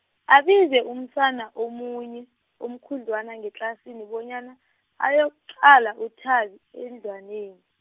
abize umsana omunye, omkhudlwana ngetlasini bonyana, ayokuqala uThabi endlwaneni.